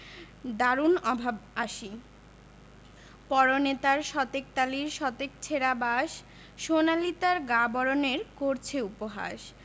দারুণ অভাব আসি পরনে তার শতেক তালির শতেক ছেঁড়া বাস সোনালি তার গা বরণের করছে উপহাস